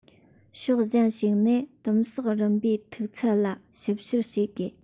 ཕྱོགས གཞན ཞིག ནས དིམ བསགས རིམ པའི མཐུག ཚད ལ ཞིབ བཤེར བགྱི དགོས